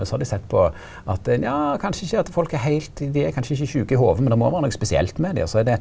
så har dei sett på at nja kanskje ikkje at folk er heilt dei er kanskje ikkje sjuke i hovudet men det må vere noko spesielt med dei, og så er det.